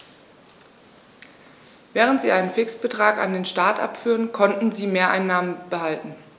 Während sie einen Fixbetrag an den Staat abführten, konnten sie Mehreinnahmen behalten.